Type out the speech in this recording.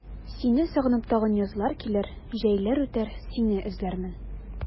Сине сагынып тагын язлар килер, җәйләр үтәр, сине эзләрмен.